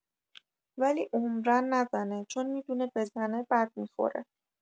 ولی عمرا نزنه چون می‌دونه بزنه بد می‌خوره